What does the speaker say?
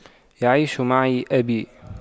يعيش معي أبي